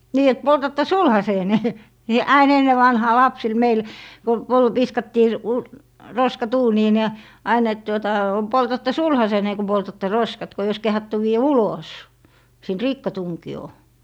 niin että poltatte sulhasenne niin aina ennen vanhaan lapsille meille kun - viskattiin - roskat uuniin ja aina että tuota poltatte sulhasenne kun poltatte roskat kun ei olisi kehdattu viedä ulos siitä rikkatunkioon